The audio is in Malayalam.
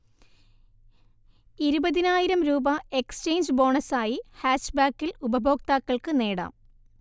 ഇരുപതിനായിരം രൂപ എക്സ്ചേഞ്ച് ബോണസായി ഹാച്ച്ബാക്കിൽ ഉപഭോക്താക്കൾക്ക് നേടാം